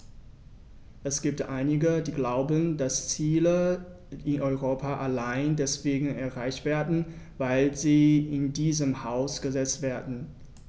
Es gibt einige, die glauben, dass Ziele in Europa allein deswegen erreicht werden, weil sie in diesem Haus gesetzt werden.